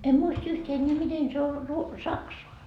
en muista yhtään enää miten se on - saksaa